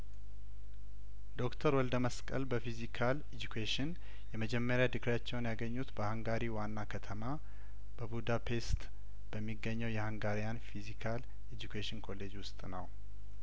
ዶክተር ወልደ መስቀል በፊዚካል ኢጁኬሽን የመጀመሪያ ዲግሪያቸውን ያገኙት በሀንጋሪ ዋና ከተማ በቡዳፔስት በሚገኘው የሀንጋሪያን ፊዚካልኢጁኬሽን ኮሌጅ ውስጥ ነው